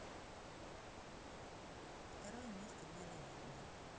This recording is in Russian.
второе место в евровидении